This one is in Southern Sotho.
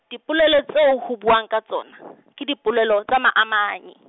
dipolelo tseo ho buuwang ka tsona, ke dipolelo tsa maamanyi.